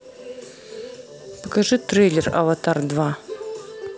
покажи трейлер аватар два